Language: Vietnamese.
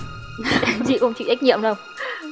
chị không chịu trách nhiệm đâu